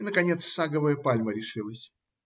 Наконец саговая пальма решилась.